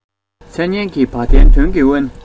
མཚན སྙན གྱི བ དན དོན གྱིས དབེན